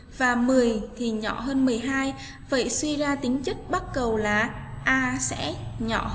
và thì nhỏ hơn vậy suy ra tính chất bắc cầu lá a sẽ nhỏ